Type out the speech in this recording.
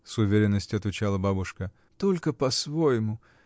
— с уверенностью отвечала бабушка, — только по-своему.